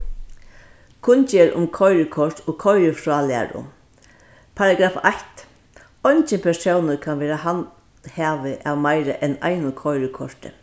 kunngerð um koyrikort og koyrifrálæru paragraf eitt eingin persónur kann vera handhavi av meira enn einum koyrikorti